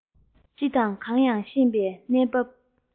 ཅི དང གང ཡང ཤེས མེད པའི གནས བབ